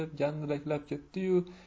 gandiraklab ketdi yu